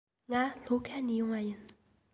ང ལྷོ ཁ ནས ཡོང པ ཡིན